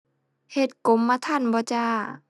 เฮ็ดกรมธรรม์บ่จ้า